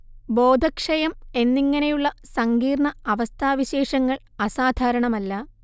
ബോധക്ഷയം എന്നിങ്ങനെയുള്ള സങ്കീർണ്ണ അവസ്ഥാവിശേഷങ്ങൾ അസാധാരണമല്ല